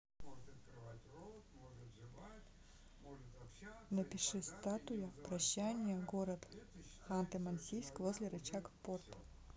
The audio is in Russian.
напиши статуя прощания город ханты мансийск возле рычаг порта